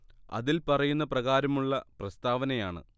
അതിൽ പറയുന്ന പ്രകാരമുള്ള പ്രസ്താവനയാണ്